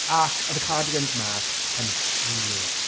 Ac, odd y cardigans ma', yn hir.